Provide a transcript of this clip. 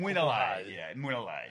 Mwy ne' lai ie mwy ne' lai.